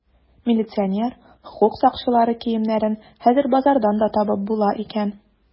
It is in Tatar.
Милиционер, хокук сакчылары киемнәрен хәзер базардан да табып була икән.